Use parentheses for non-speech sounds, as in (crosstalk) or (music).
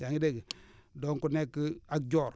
yaa ngi dégg (smacks lips) donc nekk ak joor